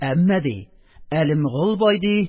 Әмма, ди, Әлемгол бай, ди,